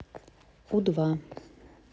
у два